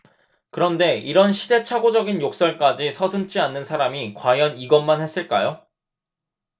그런데 이런 시대착오적인 욕설까지 서슴지 않는 사람이 과연 이것만 했을까요